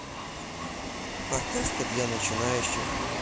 парковка для начинающих